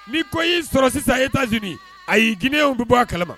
Ni ko y'i sɔrɔ sisan Etas-unis ayi, Gunéen bɛ bɔ a kalama